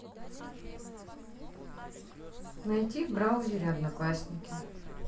найти в браузер одноклассники